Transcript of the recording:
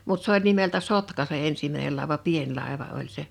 mutta se oli nimeltä Sotka se ensimmäinen laiva pieni laiva oli se